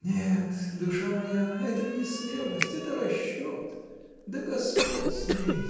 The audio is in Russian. -- Нет, душа моя, это не смелость, это расчет. Да господь с ней!